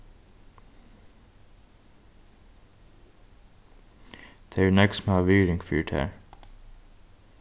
tað eru nógv sum hava virðing fyri tær